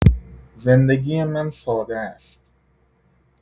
زندگی من ساده است.